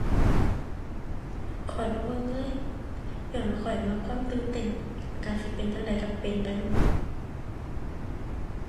ข้อยบ่เบิ่งเลย ญ้อนว่าข้อยมักความตื่นเต้น อากาศสิเป็นจั่งใดก็เป็นไปโลด